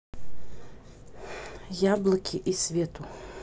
яблоки и свету